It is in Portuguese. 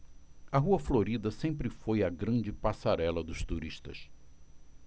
a rua florida sempre foi a grande passarela dos turistas